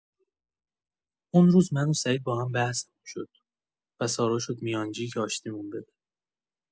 اون روز من و سعید با هم بحثمون شد و سارا شد میانجی که آشتیمون بده!